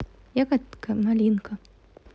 ягодка малинка